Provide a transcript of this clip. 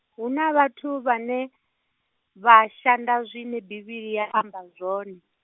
huna vhathu vhane, vha shanda zwine Bivhili ya amba zwone.